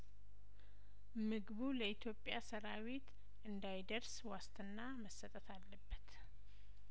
ምግቡ ለኢትዮጵያ ሰራዊት እንዳይደርስ ዋስትና መሰጠት አለበት